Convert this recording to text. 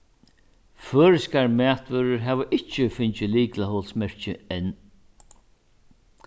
føroyskar matvørur hava ikki fingið lyklaholsmerkið enn